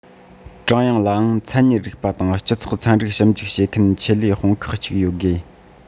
ཀྲུང དབྱང ལའང མཚན ཉིད རིག པ དང སྤྱི ཚོགས ཚན རིག ཞིབ འཇུག བྱེད མཁན ཆེད ལས དཔུང ཁག ཅིག ཡོད དགོས